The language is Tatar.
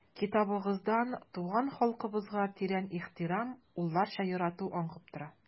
Китабыгыздан туган халкыбызга тирән ихтирам, улларча ярату аңкып тора.